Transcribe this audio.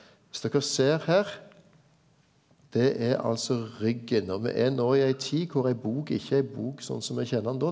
viss dokker ser her det er altså ryggen og me er nå i ei tid kor ei bok ikkje er ei bok sånn som me kjenner den då.